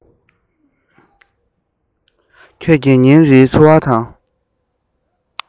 ཁྱོད ཀྱི ཉིན རེའི ཚོར བ དང